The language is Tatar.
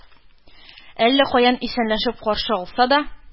Әллә каян исәнләшеп каршы алса да,